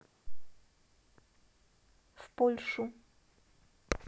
в польшу